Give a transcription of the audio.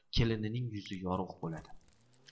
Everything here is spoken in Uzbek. kelinining yuzi yorug' bo'ladi